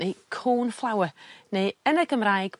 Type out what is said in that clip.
neu corn flower neu yn y Gymraeg